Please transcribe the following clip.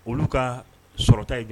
Olu ka sɔta ye